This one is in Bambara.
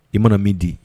I mana min di